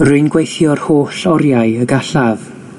Rwy'n gweithio'r holl oriau y gallaf,